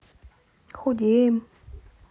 худеем